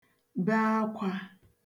be akwā